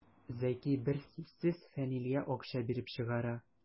Зәки бер сүзсез Фәнилгә акча биреп чыгара.